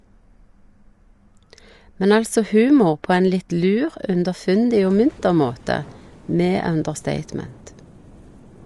Men altså humor på ein litt lur, underfundig og munter måte, med understatement.